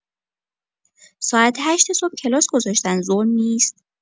ساعت هشت صبح کلاس گذاشتن ظلم نیست؟